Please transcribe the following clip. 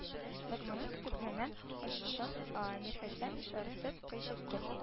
Ногманның көтелмәгән ачышын мирхәсән шаяртып көчәйтте